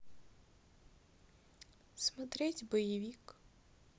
смотреть боевик